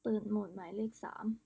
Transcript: เปิดโหมดหมายเลขสาม